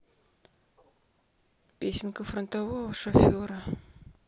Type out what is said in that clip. песенка фронтового шофера